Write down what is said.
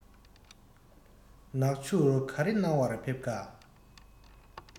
ནག ཆུར ག རེ གནང བར ཕེབས ཀ